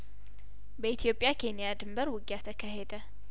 በኢትዮጵያ ኬንያድንበር ውጊያተካሄደ